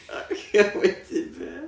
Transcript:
a wedyn be?